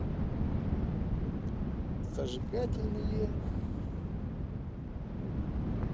зажигательные